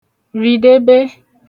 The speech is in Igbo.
rìdebe